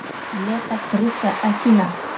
лето крыса афина